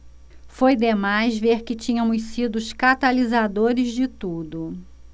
foi demais ver que tínhamos sido os catalisadores de tudo